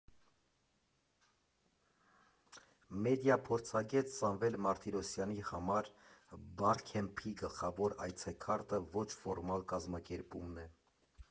Մեդիափորձագետ Սամվել Մարտիրոսյանի համար Բարքեմփի գլխավոր այցեքարտը ոչ ֆորմալ կազմակերպումն է.